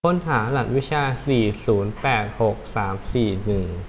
ค้นหารหัสวิชาสี่ศูนย์แปดหกสามสี่หนึ่ง